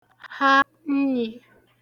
ha nnyī